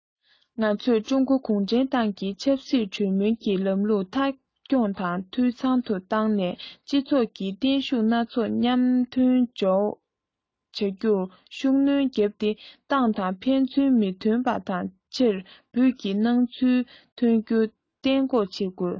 ང ཚོས ཀྲུང གོ གུང ཁྲན ཏང གིས ཆབ སྲིད གྲོས མོལ གྱི ལམ ལུགས མཐའ འཁྱོངས དང འཐུས ཚང དུ བཏང ནས སྤྱི ཚོགས ཀྱི སྟོབས ཤུགས སྣ ཚོགས མཉམ ལས མཐུན སྦྱོར བྱ རྒྱུར ཤུགས སྣོན བརྒྱབ སྟེ ཏང ནང ཕན ཚུན མི མཐུན པ དང ཕྱིར འབུད ཀྱི སྣང ཚུལ ཐོན རྒྱུ གཏན འགོག བྱེད དགོས